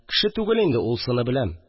Кеше түгел, анысыны беләм